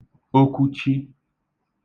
okwuchi